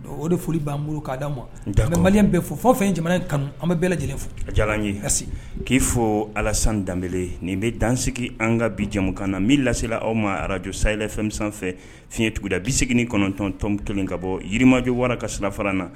O de foli b'an bolo k' d dia ma mali bɛ fɔ fɔ fɛn jamana in kanu an bɛ bɛɛ lajɛlen fo a ye k'i fɔ alasan danbeb nin bɛ dansigi an ka bijakan na mii la lasela aw ma arajo sayɛlɛ fɛn sanfɛ fiɲɛ tuguda bi segin kɔnɔntɔntɔn kelen ka bɔ jiriirimajɔ wara kasirafa na